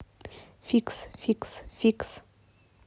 фикс фикс фикс